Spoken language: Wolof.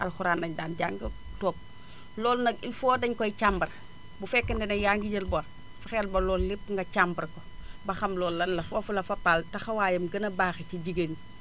alxuraan laénu daan jàng toog loolu nag il faut dañu koy càmbar bu fekkee ne yaa ngi jël bor fexeel ba loolu lépp nga càmbar ko ba xam loolu lan la foofu la Fapal taxawaayam gën a baxee ci jigéen ñi